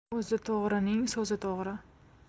o'zi to'g'rining so'zi to'g'ri